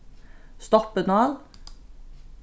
stoppinál